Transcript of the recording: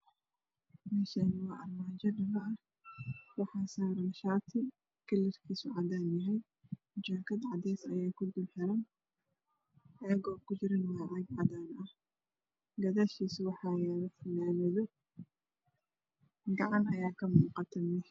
Meeshaan waa armaajo dhalo ah waxaa saaran shaati cadaan ah jaakad cadeys ah ayaa kor kuxiran caaga kuxiran waa cadaan gadaashiisa waxaa yaalo fanaanado gacan ayaa kamuuqato.